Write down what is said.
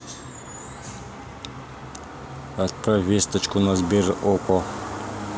отправь весточку на сбер okko